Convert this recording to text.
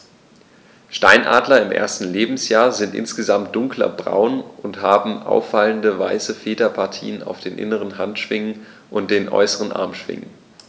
Steinadler im ersten Lebensjahr sind insgesamt dunkler braun und haben auffallende, weiße Federpartien auf den inneren Handschwingen und den äußeren Armschwingen.